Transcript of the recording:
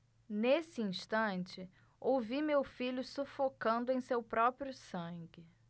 nesse instante ouvi meu filho sufocando em seu próprio sangue